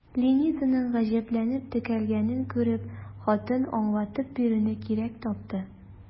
Ленизаның гаҗәпләнеп текәлгәнен күреп, хатын аңлатып бирүне кирәк тапты.